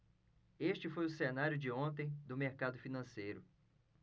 este foi o cenário de ontem do mercado financeiro